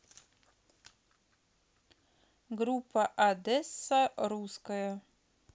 группа a dessa русская